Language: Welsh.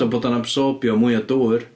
So bod o'n absorbio mwy o dŵr